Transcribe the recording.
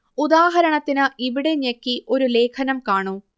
ഉദാഹരണത്തിന് ഇവിടെ ഞെക്കി ഒരു ലേഖനം കാണൂ